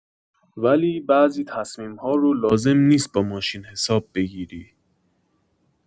ولی بعضی تصمیم‌ها رو لازم نیست با ماشین‌حساب بگیری.